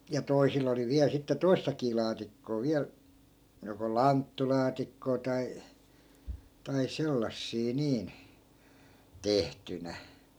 ja toisilla oli vielä sitten toistakin laatikkoa vielä joko lanttulaatikkoa tai tai sellaisia niin tehtynä